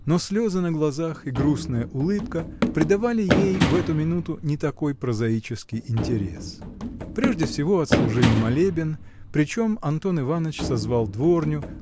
Но слезы на глазах и грустная улыбка придавали ей в эту минуту не такой прозаический интерес. Прежде всего отслужили молебен причем Антон Иваныч созвал дворню